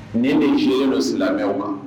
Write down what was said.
Ni de ce dɔ silamɛw ma